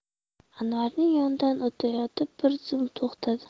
anvarning yonidan o'tayotib bir zum to'xtadi